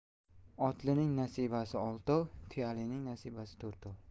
otlining nasibasi oltov tuyalining nasibasi to'rtov